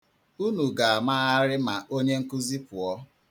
Unu ga-amagharị ma onye nkuzi pụọ.